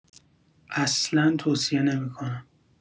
اصلا توصیه نمی‌کنم!